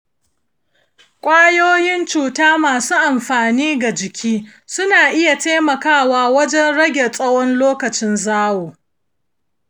kwayoyin cuta masu amfani ga jiki suna iya taimakawa wajen rage tsawon lokacin zawo.